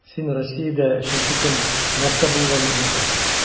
Син Россиядә өченче көн нәрсә булганын онытасың.